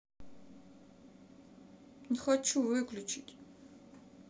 не хочу выключить